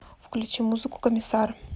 включи музыку комиссар